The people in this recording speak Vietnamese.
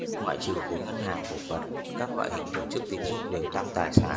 ngoại trừ khối ngân hàng cổ phần các loại hình tổ chức tín dụng đều tăng tài sản